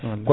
wallayi